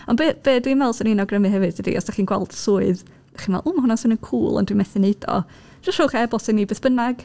Ond be be dwi'n meddwl 'swn i'n awgrymu hefyd ydy, os dych chi'n gweld swydd dych chi'n meddwl "Ww, ma' hwnna'n swnio'n cŵl ond dwi methu wneud o." Jyst rhowch e-bost i ni beth bynnag.